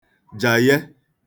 jàghe